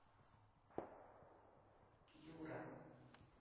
юра